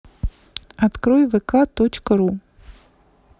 открой вк точка ру